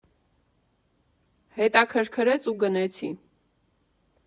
Հետաքրքրեց ու գնեցի։